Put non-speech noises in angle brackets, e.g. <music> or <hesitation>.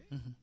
<hesitation> <hesitation>